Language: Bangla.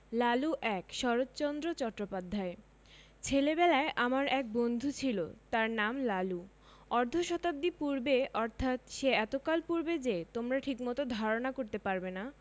লালু ১ শরৎচন্দ্র চট্টোপাধ্যায় ছেলেবেলায় আমার এক বন্ধু ছিল তার নাম লালু অর্ধ শতাব্দী পূর্বে অর্থাৎ সে এতকাল পূর্বে যে তোমরা ঠিকমত ধারণা করতে পারবে না